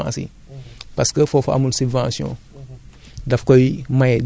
gouvernement bi defu ko sax ci ci ci engrais wala ci semence yi